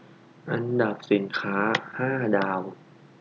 อันดับสินค้าห้าดาว